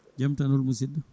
jaam tan hol musidɗo